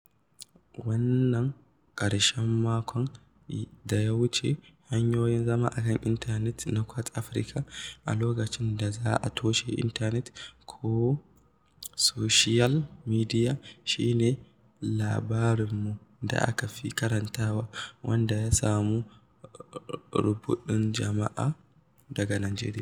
Wannan ƙarshen makon da ya wuce, hanyoyin zama a kan intanet na ƙuartz Africa a lokutan da za a toshe intanet ko soshiyal midiya shi ne labarinmu da aka fi karantawa, wanda ya samu rubdugun jama'a daga Najeriya.